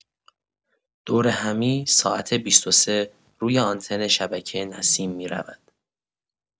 دورهمی ساعت ۲۳ روی آنتن شبکه نسیم می‌رود.